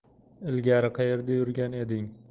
ilgari qayerda yurgan eding